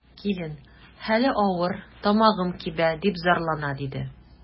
Килен: хәле авыр, тамагым кибә, дип зарлана, диде.